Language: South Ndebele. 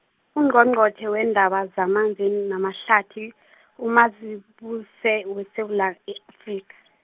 Ungqongqotjhe weendaba zamanzi namahlathi , uMazibuse weSewula e- Afrika.